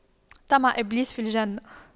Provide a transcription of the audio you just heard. طمع إبليس في الجنة